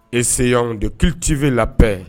E se de kitibi la